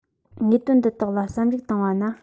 དངོས དོན འདི དག ལ བསམ གཞིག བཏང བ ན